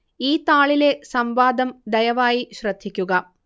ഈ താളിലെ സംവാദം ദയവായി ശ്രദ്ധിക്കുക